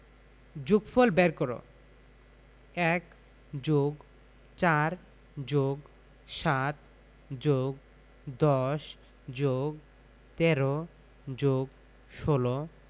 যোগফল বের করঃ ১+৪+৭+১০+১৩+১৬